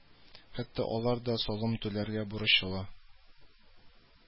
Хәтта алар да салым түләргә бурычлы